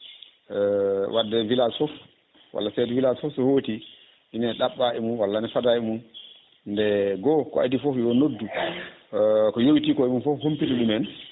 wadde e village foof walla kadi village foof so hooti ina ɗaɓɓa e mum walla ne faada e mum nde goho ko aadi foof yo noddu ko yowiti ko e mum foof humpita ɗumen